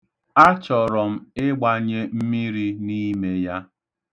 Achọrọ m igbanye mmiri n'ime ya.